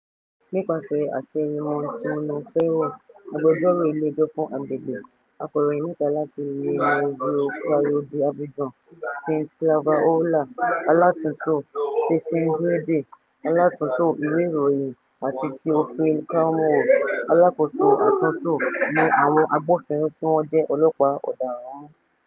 Nípasẹ̀ àṣẹ Raymond Tchimonu Fehou, agbẹjọ́rò ilé ẹjọ́ fún agbègbè, akọ̀ròyìn mẹ́ta láti Le Nouveau Courrier d'Abidjan, saint claver Oula, alátúntò, Stéphane Guédé, alátúntò ìwé ìròyìn àti Théophile Kouamouo, Alákóso àtúntò ni àwọn agbófinró tí wọ́n jẹ́ ọlọ́pàá ọ̀daràn mú.